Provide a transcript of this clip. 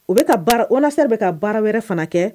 O bɛka ka baara olas bɛ ka baara wɛrɛ fana kɛ